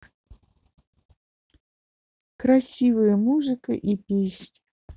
красивая музыка и песни